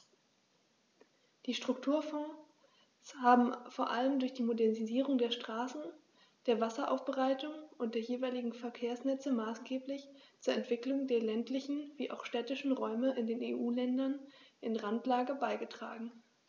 Die Strukturfonds haben vor allem durch die Modernisierung der Straßen, der Wasseraufbereitung und der jeweiligen Verkehrsnetze maßgeblich zur Entwicklung der ländlichen wie auch städtischen Räume in den EU-Ländern in Randlage beigetragen.